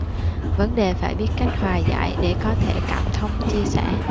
vấn đề phải biết cách hòa giải để có thể cảm thông chia sẻ